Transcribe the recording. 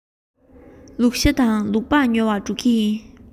ལུག ཤ དང ལུག ལྤགས ཉོ བར འགྲོ གི ཡིན